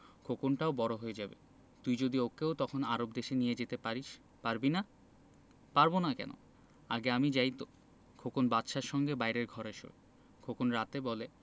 খোকনটাও বড় হয়ে যাবে তুই যদি ওকেও তখন আরব দেশে নিয়ে যেতে পারিস পারবি না পারব না কেন আগে আমি যাই তো খোকন বাদশার সঙ্গে বাইরের ঘরে শোয় খোকন রাতে বলে